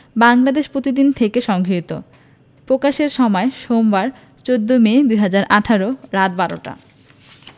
বাংলাদেশ প্রতিদিন থেলে সংগৃহীত প্রকাশের সময় সোমবার ১৪ মে ২০১৮ রাত ১২টা